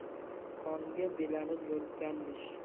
qonga belanib yotganmish